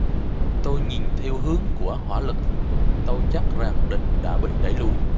tôi nhìn theo hướng của hỏa lực tôi chắc rằng địch đã bị đẩy lui